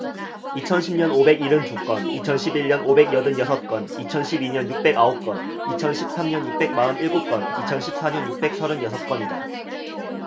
이천 십 년 오백 일흔 두 건 이천 십 일 년 오백 여든 여섯 건 이천 십 이 년 육백 아홉 건 이천 십 삼 년 육백 마흔 일곱 건 이천 십 사 년 육백 서른 여섯 건이다